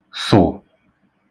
sụ̀